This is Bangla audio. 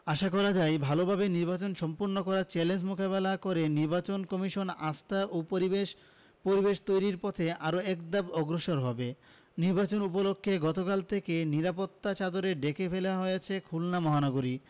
আশা করা যায় ভালোভাবে নির্বাচন সম্পন্ন করার চ্যালেঞ্জ মোকাবেলা করে নির্বাচন কমিশন আস্থা ও পরিবেশ পরিবেশ তৈরির পথে আরো একধাপ অগ্রসর হবে নির্বাচন উপলক্ষে গতকাল থেকে নিরাপত্তার চাদরে ঢেকে ফেলা হয়েছে খুলনা মহানগরী